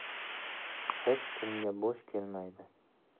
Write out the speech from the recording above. hech kimga bo'sh kelmaydi